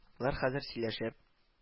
Болар хәзер сөйләшеп